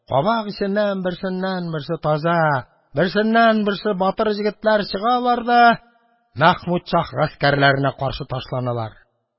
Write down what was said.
Кабак эченнән берсеннән-берсе таза, берсеннән-берсе батыр егетләр чыгалар да Мәхмүд шаһ гаскәрләренә каршы ташланалар.